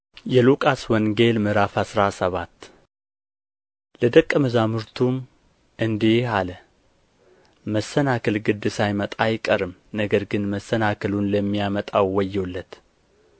የሉቃስ ወንጌል ምዕራፍ አስራ ሰባት ለደቀ መዛሙርቱም እንዲህ አለ መሰናክል ግድ ሳይመጣ አይቀርም ነገር ግን መሰናክሉን ለሚያመጣው ወዮለት